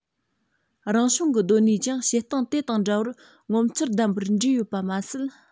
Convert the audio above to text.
རང བྱུང གི གདོད ནུས ཀྱང བྱེད སྟངས དེ དང འདྲ བར ངོ མཚར ལྡན པར འདྲེས ཡོད པ མ ཟད